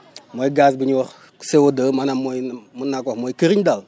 mooy gaz bu ñuy wax CO2 maanaam mooy mun naa koo wax mooy këriñ daal